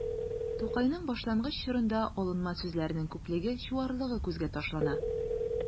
Тукайның башлангыч чорында алынма сүзләрнең күплеге, чуарлыгы күзгә ташлана.